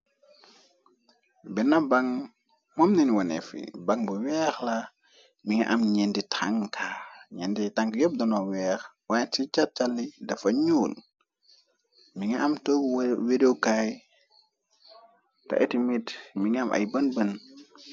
Benna baŋg moom neen wonefi ban bu weex la mi nga am nenti tanka ñendi tank yépp donoo weex waaye ci càrtali dafa ñuul mi nga am toogu wideokaay te iti mit mi nga am ay bon bon.